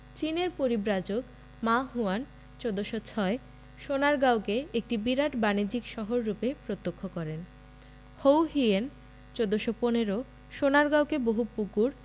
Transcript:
চীনের পরিব্রাজক Ma Huan ১৪০৬ সোনারগাঁওকে একটি বিরাট বাণিজ্যিক শহররূপে প্রত্যক্ষ করেন হৌ হিয়েন ১৪১৫ সোনারগাঁওকে বহু পুকুর